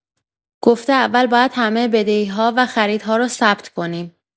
گفته اول باید همه بدهی‌ها و خریدها رو ثبت کنیم.